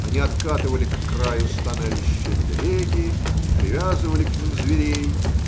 Они откатывали к краю становища телеги и привязывали к ним зверей.